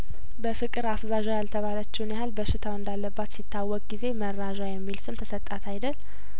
በፍቅር አፍዛዧ ያልተባለችውን ያህል በሽታው እንዳለበት ሲታውቅ ጊዜ መራዧ የሚል ስም ተሰጣት አይደል